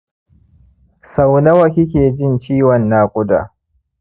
sau nawa kike jin ciwon naƙuda?